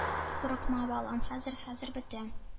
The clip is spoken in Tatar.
— курыкма, балам, хәзер... хәзер бетә,